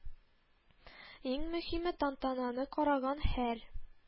Иң мөһиме тантананы караган һәр